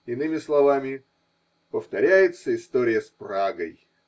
Иными словами, повторяется история с Прагой.